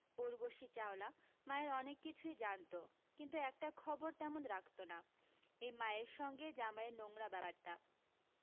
ঊর্বশী চাওলা মায়ের অনেক কিছুই জানতো কিন্তু একটা খবর তেমন রাখতো না এই মায়ের সঙ্গে জামাইয়ের নোংরা ব্যাপারটা